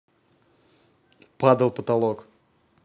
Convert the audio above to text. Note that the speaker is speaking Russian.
падал потолок